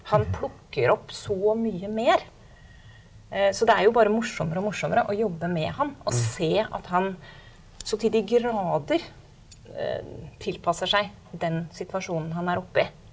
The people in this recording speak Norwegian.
han plukker opp så mye mer, så det er jo bare morsommere og morsommere å jobbe med han og se at han så til de grader tilpasser seg den situasjonen han er oppe i.